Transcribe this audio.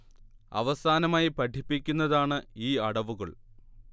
അവസാനമായി പഠിപ്പിക്കുന്നതാണ് ഈ അടവുകൾ